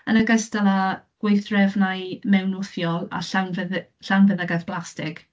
yn ogystal â gweithdrefnau mewnwthiol a llawnfeddy- llawfeddygaeth blastig.